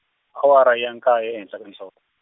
awara ya nkaye ehenhla ka nhloko.